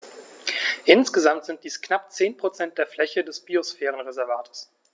Insgesamt sind dies knapp 10 % der Fläche des Biosphärenreservates.